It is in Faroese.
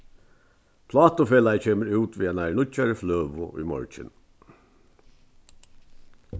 plátufelagið kemur út við einari nýggjari fløgu í morgin